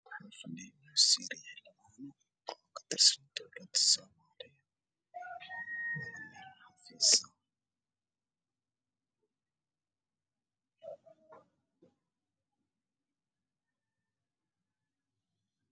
Waa niman ku fadhiyaan kuraas orange ah waxa ay wataan suudaan madow ah waxaa horyaalla miisaas caddaan